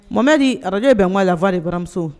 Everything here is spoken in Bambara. Mɔmɛ di arajɛ bɛn wala yafafa de baramuso